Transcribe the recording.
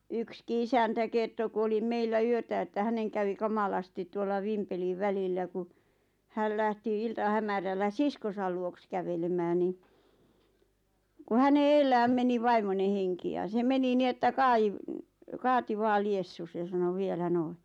yksikin isäntä kertoi kun oli meillä yötä että hänen kävi kamalasti tuolla Vimpelin välillä kun hän lähti iltahämärällä siskonsa luokse kävelemään niin kun hänen edellään meni vaimon henki ja se meni niin että - kaati vain liessusi ja sanoi vielä noin